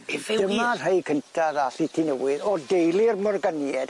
Yfe wir? Dyma rhei cynta ddath i Tû Newydd o deulu'r Morganied.